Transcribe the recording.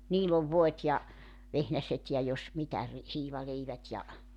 niillä on voit ja vehnäset ja jos mitä - hiivaleivät ja